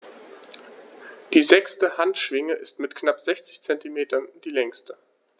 Die sechste Handschwinge ist mit knapp 60 cm die längste.